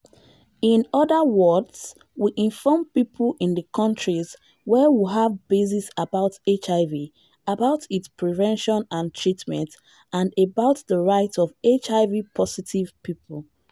In other words we inform people in the countries where we haves bases about HIV, about its prevention and treatment and about the rights of HIV-positive people.